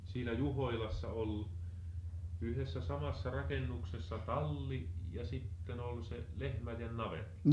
siinä Juhoilassa oli yhdessä samassa rakennuksessa talli ja sitten oli se lehmien navetta